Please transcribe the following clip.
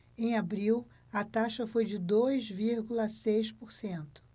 em abril a taxa foi de dois vírgula seis por cento